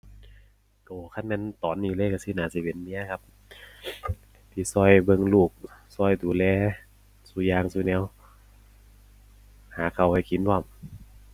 โอ้ คันแม่นตอนนี้เลยก็สิน่าสิเป็นเมียครับ ที่ก็เบิ่งลูก ก็ดูแลซุอย่างซุแนว หาข้าวให้กินพร้อม